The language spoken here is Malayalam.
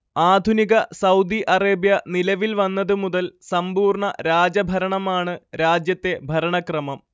ആധുനിക സൗദി അറേബ്യ നിലവിൽ വന്നത് മുതൽ സമ്പൂർണ രാജ ഭരണമാണ് രാജ്യത്തെ ഭരണക്രമം